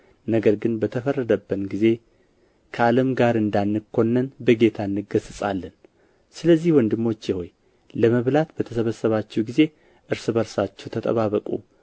ነገር ግን በተፈረደብን ጊዜ ከዓለም ጋር እንዳንኮነን በጌታ እንገሠጻለን ስለዚህ ወንድሞቼ ሆይ ለመብላት በተሰበሰባችሁ ጊዜ እርስ በርሳችሁ ተጠባበቁ